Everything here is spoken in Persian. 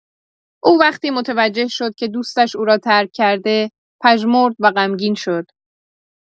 او وقتی متوجه شد که دوستش او را ترک کرده، پژمرد و غمگین شد.